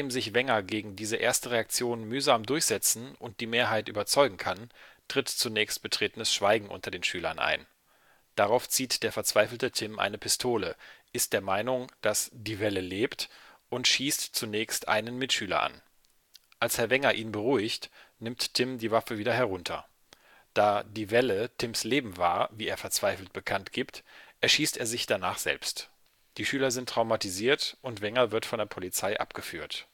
sich Wenger gegen diese erste Reaktion mühsam durchsetzen und die Mehrheit überzeugen kann, tritt zunächst betretenes Schweigen unter den Schülern ein. Darauf zieht der verzweifelte Tim eine Pistole, ist der Meinung, dass „ die Welle lebt! “und schießt zunächst einen Mitschüler an. Als Herr Wenger ihn beruhigt, nimmt Tim die Waffe wieder herunter. Da die „ Welle “Tims Leben war, wie er verzweifelt bekannt gibt, erschießt er sich danach selbst. Die Schüler sind traumatisiert und Wenger wird von der Polizei abgeführt